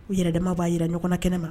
U yɛrɛ dema b'a yɛrɛ ɲɔgɔn kɛnɛ ma